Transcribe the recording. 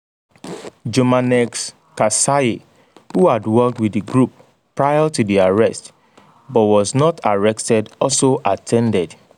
Jomanex Kasaye, who had worked with the group prior to the arrests (but was not arrested) also attended.